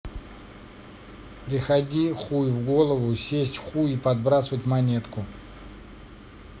приходи хуй в голову сесть хуй и подбрасывать монетку